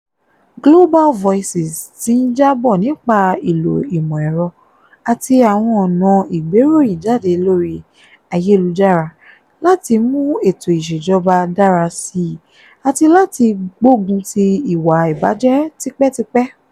Global Voices ti ń jábọ̀ nípa ìlò ìmọ̀-ẹ̀rọ àti àwọn ọ̀nà ìgbéròyìnjáde lórí ayélujára láti mú ètò ìṣèjọba dára síi àti láti gbógun ti ìwà ìbàjẹ́ tipẹ́tipẹ́.